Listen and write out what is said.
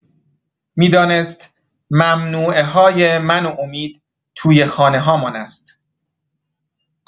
می‌دانست ممنوعه‌های من و امید توی خانه‌هامان است.